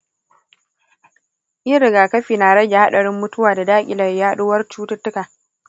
yin rigakafi na rage hadarin mutuwa da dakile yaduwar cututtuka.